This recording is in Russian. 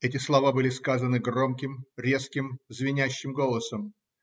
Эти слова были сказаны громким, резким, звенящим голосом.